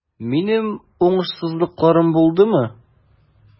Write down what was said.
Минем уңышсызлыкларым булдымы?